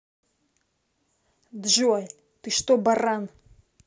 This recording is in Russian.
джой ты что баран